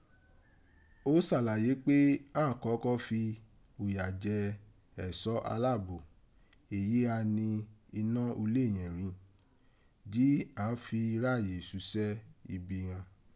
O ṣalaye pe àn án kọ́kọ́ fi ùyà jẹ ẹsọ alaabò èyí gha ni inọ́ ule yẹn rin, ji àn án fi ráàyè susẹ́ ibi ghan.